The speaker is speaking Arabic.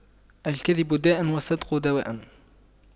الكذب داء والصدق دواء